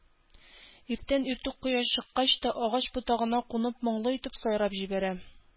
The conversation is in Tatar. Иртән-иртүк, кояш чыккач та, агач ботагына кунып моңлы итеп сайрап җибәрә